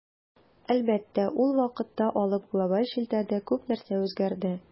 Әлбәттә, ул вакыттан алып глобаль челтәрдә күп нәрсә үзгәрде.